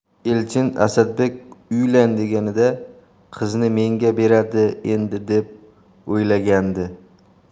elchin asadbek uylan deganida qizini menga beradi endi deb o'ylagandi